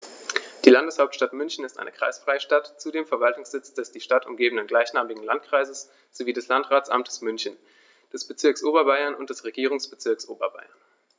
Die Landeshauptstadt München ist eine kreisfreie Stadt, zudem Verwaltungssitz des die Stadt umgebenden gleichnamigen Landkreises sowie des Landratsamtes München, des Bezirks Oberbayern und des Regierungsbezirks Oberbayern.